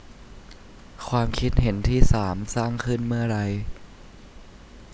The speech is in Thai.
ความคิดเห็นที่สามสร้างขึ้นเมื่อไร